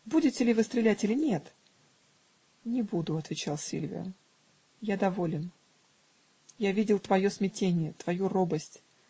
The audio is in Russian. Будете ли вы стрелять или нет?" -- "Не буду, -- отвечал Сильвио, -- я доволен: я видел твое смятение, твою робость